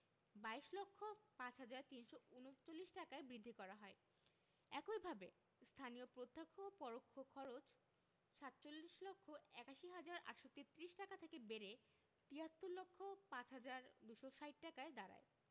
২২ লক্ষ ৫ হাজার ৩৩৯ টাকায় বৃদ্ধি করা হয় একইভাবে স্থানীয় প্রত্যক্ষ ও পরোক্ষ খরচ ৪৭ লক্ষ ৮১ হাজার ৮৩৩ টাকা থেকে বেড়ে ৭৩ লক্ষ ৫ হাজার ২৬০ টাকায় দাঁড়ায়